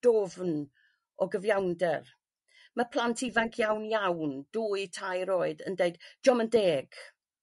dwfn o gyfiawnder. Ma' plant ifanc iawn iawn dwy tair oed yn deud jiom yn deg.